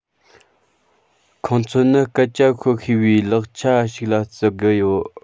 ཁོང ཚོ ནི སྐད ཆ ཤོད ཤེས པའི ལག ཆ ཞིག ལ བརྩི གི ཡོད